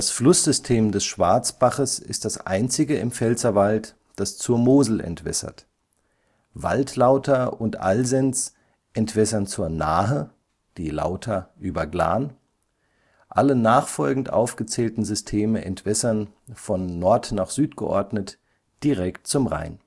Flusssystem des Schwarzbaches ist das einzige im Pfälzerwald, das zur Mosel entwässert. Waldlauter und Alsenz entwässern zur Nahe (Lauter über Glan), alle nachfolgend aufgezählten Systeme entwässern, von Nord nach Süd geordnet, direkt zum Rhein